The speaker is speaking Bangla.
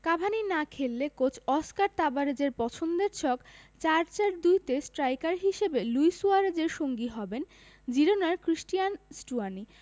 কাভানি না খেললে কোচ অস্কার তাবারেজের পছন্দের ছক ৪ ৪ ২ তে স্ট্রাইকার হিসেবে লুই সুয়ারেজের সঙ্গী হবেন জিরোনার ক্রিস্টিয়ান স্টুয়ানি